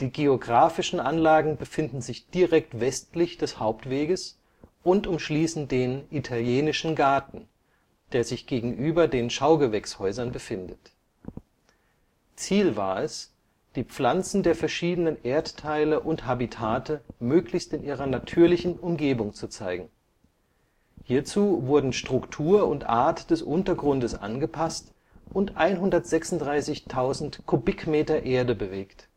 geografischen Anlagen befinden sich direkt westlich des Hauptweges und umschließen den „ Italienischen Garten “, der sich gegenüber den Schaugewächshäusern befindet. Ziel war es die Pflanzen der verschiedenen Erdteile und Habitate möglichst in ihrer natürlichen Umgebung zu zeigen. Hierzu wurden Struktur und Art des Untergrundes angepasst und 136.000 m³ Erde bewegt